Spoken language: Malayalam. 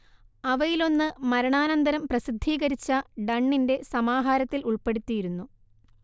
അവയിലൊന്ന് മരണാന്തരം പ്രസിദ്ധീകരിച്ച ഡണ്ണിന്റെ സമഹാരത്തിൽ ഉൾപ്പെടുത്തിയിരുന്നു